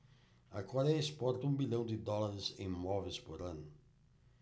a coréia exporta um bilhão de dólares em móveis por ano